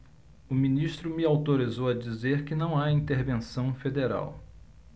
o ministro me autorizou a dizer que não há intervenção federal